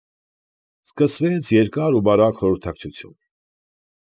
Սկսվեց երկար ու բարակ խորհրդակցություն։